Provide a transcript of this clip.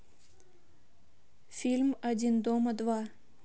фильм один дома два